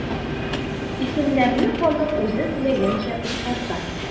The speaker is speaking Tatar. Исемнәрне халык үзе теләгәнчә кыскарта.